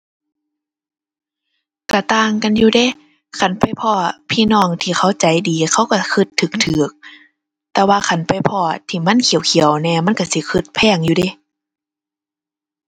ก็ต่างกันอยู่เดะ คันไปพ้อพี่น้องที่เขาใจดี เขาก็ก็ก็ก็ แต่ว่าคันไปพ้อที่มันเขี้ยวเขี้ยวแหน่ มันก็สิก็แพงอยู่เดะ